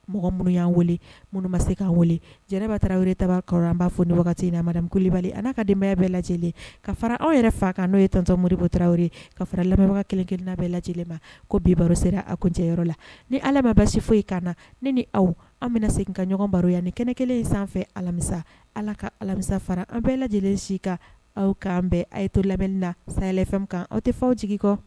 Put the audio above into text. Mɔgɔ minnu an minnu ma se k'an wele jɛgɛba taara ta kɔrɔ an b'a fɔo in na mara kolibali an' ka denbaya bɛɛ lajɛ lajɛlen ka fara anw yɛrɛ fa kan n'o ye tɔntɔmo moributuraraw ye ka fara la kelenkelenina bɛɛ lajɛ lajɛlen ma ko bi sera a ko cɛyɔrɔ la ni ala ma basi foyi kan na ni ni aw an bɛna se ka ɲɔgɔn baro yan ni kɛnɛkelen in sanfɛ alamisa ala ka alamisa fara an bɛɛ lajɛlen si ka aw k'an bɛɛ a ye to lali la sayaɛlɛfɛn kan aw tɛ fɔw jigin kɔ